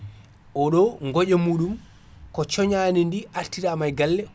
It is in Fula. oɗo gooƴa muɗum ko coñadidi artirama e galle